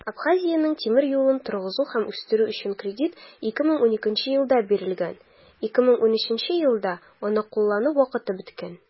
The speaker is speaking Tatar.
Абхазиянең тимер юлын торгызу һәм үстерү өчен кредит 2012 елда бирелгән, 2013 елда аны куллану вакыты беткән.